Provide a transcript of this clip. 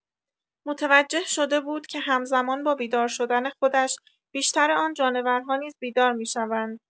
متوجه شده بود که هم‌زمان با بیدار شدن خودش، بیشتر آن جانورها نیز بیدار می‌شوند.